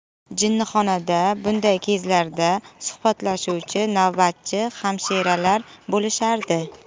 jinnixonada bunday kezlarda suhbatlashuvchi navbatchi hamshiralar bo'lishardi